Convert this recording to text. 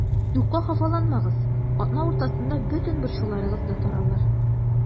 Юкка хафаланмагыз, атна уртасында бөтен борчуларыгыз да таралыр.